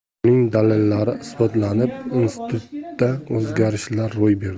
uning dalillari isbotlanib institutda o'zgarishlar ro'y berdi